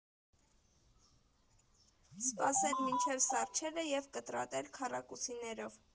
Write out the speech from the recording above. Սպասել մինչև սառչելը և կտրատել քառակուսիներով։